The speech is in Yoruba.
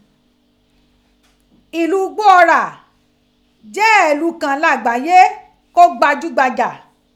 Ilu igboọra jẹ ilu kan lagbaaye ko gbajugbaja.